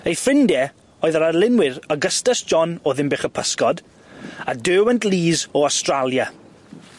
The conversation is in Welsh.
Ei ffrindie oedd yr arlunwyr Augustus John o Ddinbych y Pysgod a Derwent Lees o Astralia.